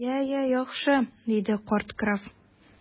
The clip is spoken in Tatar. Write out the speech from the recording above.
Я, я, яхшы! - диде карт граф.